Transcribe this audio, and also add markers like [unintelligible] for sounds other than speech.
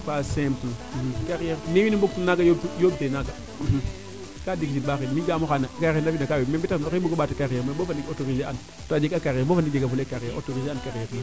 c' est pas simple carriere ne wiin we mboog tuna naaga yomb tu yomb te naaga [unintelligible] mi ga'amo [unintelligible] bo fa ndiik autoriser an bo xaye jega fule carriere autoriser an carriere